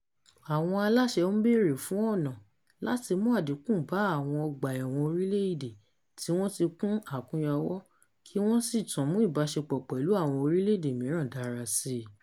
Àwọn aláṣẹ ń bèrè fún ọ̀nà láti mú àdínkù bá àwọn ọgbà ẹ̀wọ̀n orílẹ̀-èdè tí wọ́n ti kún àkúnyawọ́ kí wọ́n sì tún mú ìbáṣepọ̀ pẹ̀lú àwọn orílẹ̀-èdè mìíràn dára síi.